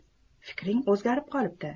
fikring o'zgarib qolibdi